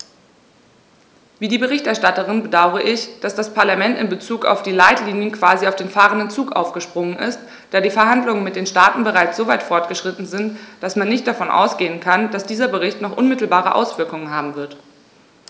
Wie die Berichterstatterin bedaure ich, dass das Parlament in bezug auf die Leitlinien quasi auf den fahrenden Zug aufgesprungen ist, da die Verhandlungen mit den Staaten bereits so weit fortgeschritten sind, dass man nicht davon ausgehen kann, dass dieser Bericht noch unmittelbare Auswirkungen haben wird.